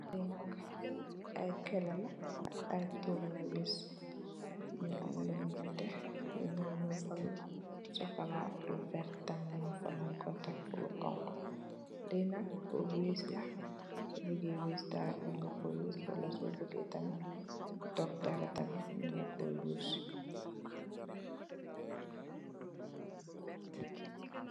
Li nak ay kèlèla ak ay turna wiiss, mungi am lu nètè, lu ñuul mung fa, lu sokola, lu verta mung fa nung ko tekk fu lu honku. Li nak purr wiiss la, sobugè wiiss dara mung ngo ko use, wala sobugè dogg dara tamit mun nga ko use.